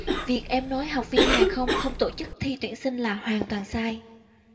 việc em nói học viên hàng không không tổ chức thi tuyển sinh là hoàn toàn sai